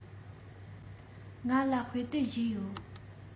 ང ལ དཔེ དེབ བཞི ཡོད